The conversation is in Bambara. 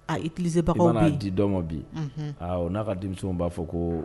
Aa i kilisi se'a di dɔn bi aaa n'a ka denmuso b'a fɔ ko